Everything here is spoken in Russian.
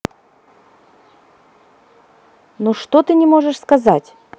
ну что ты не можешь сказать